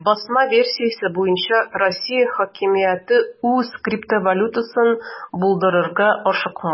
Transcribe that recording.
Басма версиясе буенча, Россия хакимияте үз криптовалютасын булдырырга ашыкмый.